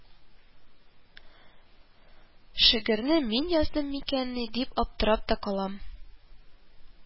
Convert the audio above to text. Шигырьне мин яздым микәнни, дип аптырап та калам